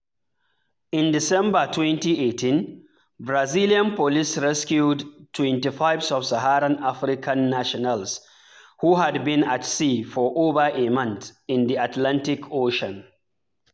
In December 2018, Brazilian police rescued 25 sub-Saharan African nationals who had “been at sea for over a month” in the Atlantic Ocean.